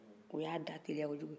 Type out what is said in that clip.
o y'a ba teliya ko juko ye